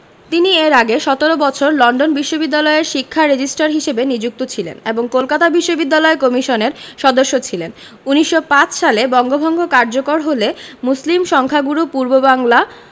তিনি এর আগে ১৭ বছর লন্ডন বিশ্ববিদ্যালয়ের শিক্ষা রেজিস্ট্রার হিসেবে নিযুক্ত ছিলেন এবং কলকাতা বিশ্ববিদ্যালয় কমিশনের সদস্য ছিলেন ১৯০৫ সালে বঙ্গভঙ্গ কার্যকর হলে মুসলিম সংখ্যাগুরু পূর্ববাংলা